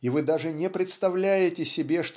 и вы даже не представляете себе